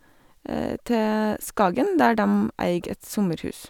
Til Skagen, der dem eier et sommerhus.